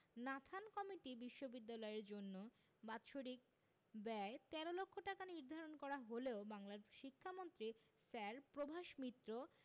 Nathan committee বিশ্ববিদ্যালয়ের জন্য বাৎসরিক ব্যয় ১৩ লক্ষ টাকা নির্ধারণ করা হলেও বাংলার শিক্ষামন্ত্রী স্যার প্রভাস মিত্র